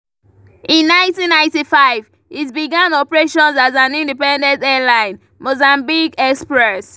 In 1995, it began operations as an independent airline, Mozambique Express.